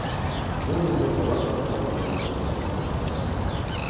Бу инде балачактан ук таныш мәкерле персонаж түгел.